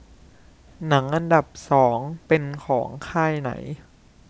หนังอันดับสองเป็นของค่ายไหน